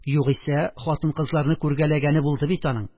Югыйсә хатын-кызларны күргәләгәне булды бит аның